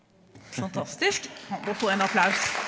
fantastisk, må få en applaus.